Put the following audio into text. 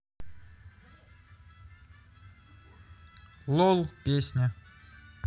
лол песня